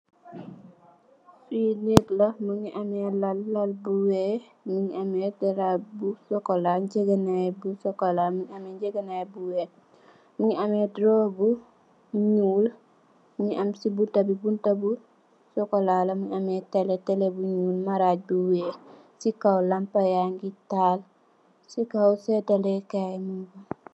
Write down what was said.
Li neeg la mongi ame laal laal bu weex mo gi ame dara bu cxocola am ngegenay bu cxocola mongi ame ngegenay bu weex mongi doru bu nuul mogi am si bunta bi bunta bu cxocola mo ame tele tele bu nuul marag bu weex si kaw lampa yangi taal ki kaw setale kai mun fa.